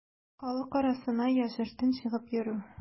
Халык арасына яшертен чыгып йөрү.